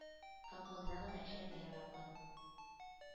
Колхозда гына эшләргә яраклы“